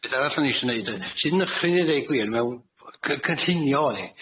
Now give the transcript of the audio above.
Peth arall o'n i isio neud 'fyd, sydd yn nychryn i ddeu gwir, mewn c- cynllunio o'n i